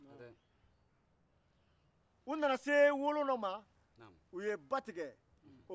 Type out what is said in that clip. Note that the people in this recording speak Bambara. u nana se wolon dɔ ma ba tigɛ